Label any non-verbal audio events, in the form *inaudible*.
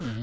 *hesitation* *hesitation*